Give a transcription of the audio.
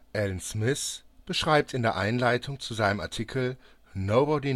Allen Smith beschreibt in der Einleitung zu seinem Artikel Nobody